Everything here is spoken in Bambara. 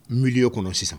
milieu kɔnɔ sisan